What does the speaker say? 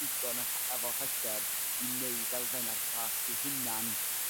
digon o efo hyder i 'neud elfenna'r tasg i hunan